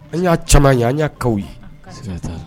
An y'a caman ye an y'akawaw ye